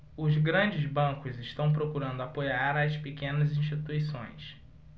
os grandes bancos estão procurando apoiar as pequenas instituições